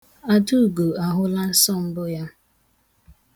Adaugo ahụla nsọ mbụ ya.